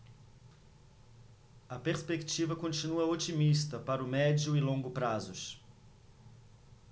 a perspectiva continua otimista para o médio e longo prazos